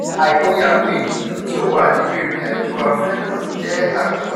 Àìmọye àwọn ènìyàn tí ó wà nínú ìrìnàjò afẹ́ náà jẹ́ àgbàlagbà.